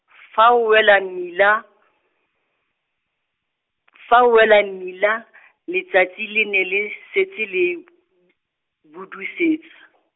fa o wela mmila, fa o wela mmila , letsatsi le ne le setse le , budusetsa .